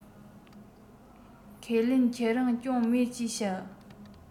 ཁས ལེན ཁྱེད རང བསྐྱོན མེད ཅེས བཤད